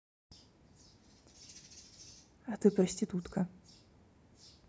а ты проститутка